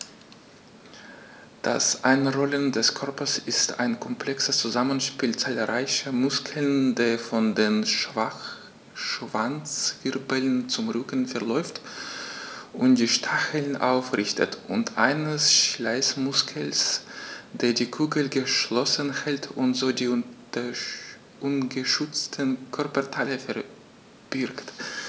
Das Einrollen des Körpers ist ein komplexes Zusammenspiel zahlreicher Muskeln, der von den Schwanzwirbeln zum Rücken verläuft und die Stacheln aufrichtet, und eines Schließmuskels, der die Kugel geschlossen hält und so die ungeschützten Körperteile verbirgt.